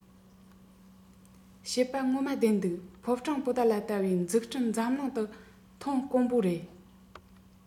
བཤད པ ངོ མ བདེན འདུག ཕོ བྲང པོ ཏ ལ ལྟ བུའི འཛུགས སྐྲུན འཛམ གླིང དུ མཐོང དཀོན པོ རེད